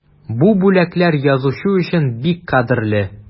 Бу бүләкләр язучы өчен бик кадерле.